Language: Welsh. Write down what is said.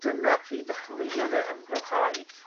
dyna pryd ddechreuodd e ymgryfhau